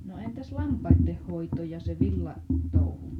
no entäs lampaiden hoito ja se - villatouhu